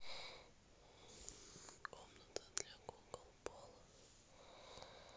комната для кукол лол